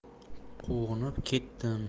quvonib ketdim